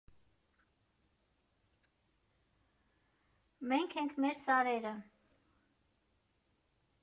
«Մենք ենք, մեր սարերը»